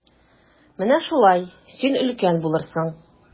Менә шулай, син өлкән булырсың.